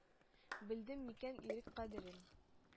Белдем микән ирек кадерен